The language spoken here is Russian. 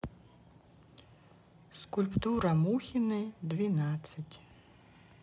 скульптора мухиной двенадцать